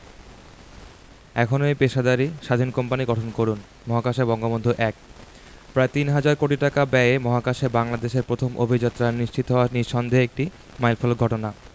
এখনই পেশাদারি স্বাধীন কোম্পানি গঠন করুন মহাকাশে বঙ্গবন্ধু ১ প্রায় তিন হাজার কোটি টাকা ব্যয়ে মহাকাশে বাংলাদেশের প্রথম অভিযাত্রা নিশ্চিত হওয়া নিঃসন্দেহে একটি মাইলফলক ঘটনা